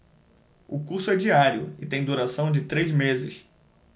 o curso é diário e tem duração de três meses